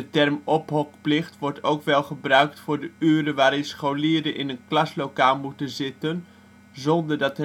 term " ophokplicht " wordt ook wel gebruikt voor de uren waarin scholieren in een klaslokaal moeten zitten zonder dat